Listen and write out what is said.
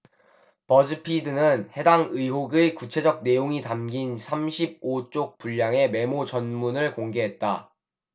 버즈피드는 해당 의혹의 구체적 내용이 담긴 삼십 오 쪽 분량의 메모 전문을 공개했다